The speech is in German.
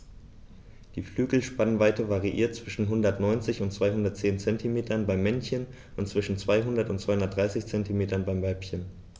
Die Flügelspannweite variiert zwischen 190 und 210 cm beim Männchen und zwischen 200 und 230 cm beim Weibchen.